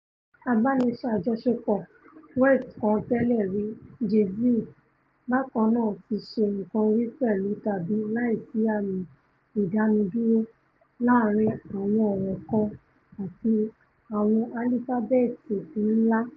Abániṣàjọṣepọ̀ West kan tẹ́lẹ̀rí, JAY-Z, bákannáà ti ṣe nǹkan rí pẹ̀lú tàbi láìsí àmì ìdánudúró láàrin àwọn ọ̀rọ̀ kan àti àwọn álífábẹ̵́ẹ̀tì ńlá.